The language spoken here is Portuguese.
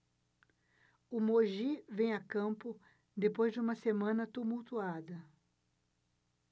o mogi vem a campo depois de uma semana tumultuada